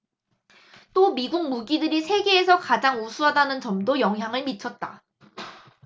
또 미국 무기들이 세계에서 가장 우수하다는 점도 영향을 미쳤다